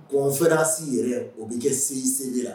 Conférence yɛrɛ o bɛ kɛ CICB la